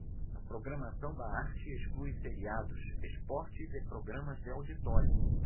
a programação da arte exclui seriados esportes e programas de auditório